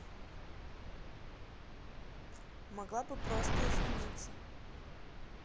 могла бы просто извиниться